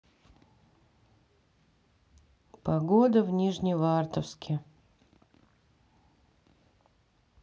погода в нижневартовске